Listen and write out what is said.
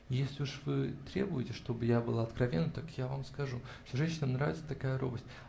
И если уже вы требуете, чтоб я была откровенна, так я вам скажу, что женщинам нравится такая робость